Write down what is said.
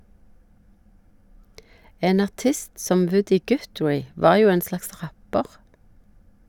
En artist som Woody Guthrie var jo en slags rapper.